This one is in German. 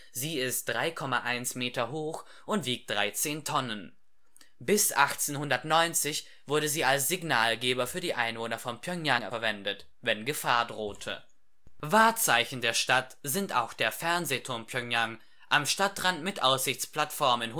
Sie ist 3,1 Meter hoch und wiegt 13 Tonnen. Bis 1890 wurde sie als Signalgeber für die Einwohner von Pjöngjang verwendet, wenn Gefahr drohte. Wahrzeichen der Stadt sind auch der Fernsehturm Pjöngjang, am Stadtrand mit Aussichtsplattform in